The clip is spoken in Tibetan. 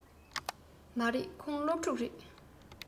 མ རེད ཁོང སློབ ཕྲུག རེད